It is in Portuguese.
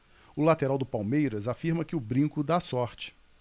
o lateral do palmeiras afirma que o brinco dá sorte